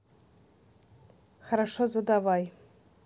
хорошо задавай